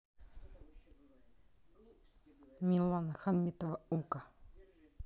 милана хаметова умка